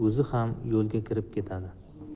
uzi xam yulga kirib ketadi